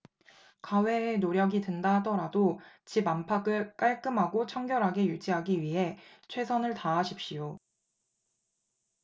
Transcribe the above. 가외의 노력이 든다 하더라도 집 안팎을 깔끔하고 청결하게 유지하기 위해 최선을 다하십시오